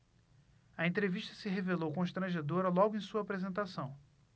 a entrevista se revelou constrangedora logo em sua apresentação